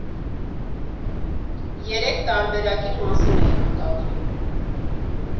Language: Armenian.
Երեք տարբերակի մասին էի մտածում.